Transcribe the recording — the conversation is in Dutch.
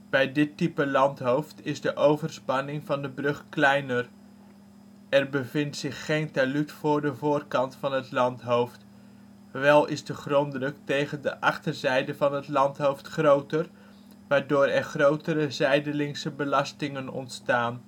Bij dit type landhoofd is de overspanning van de brug kleiner. Er bevindt zich geen talud voor de voorkant van het landhoofd. Wel is de gronddruk tegen de achterzijde van het landhoofd groter, waardoor er grotere zijdelingse belastingen ontstaan